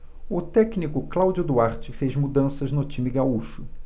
o técnico cláudio duarte fez mudanças no time gaúcho